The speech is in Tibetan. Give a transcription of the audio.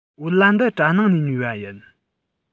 བོད ལྭ འདི གྲ ནང ནས ཉོས པ ཡིན